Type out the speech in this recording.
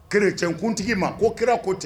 Chrétien kuntigi ma ko Kira ko ten